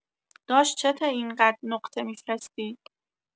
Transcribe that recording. داش چته اینقد نقطه می‌فرستی؟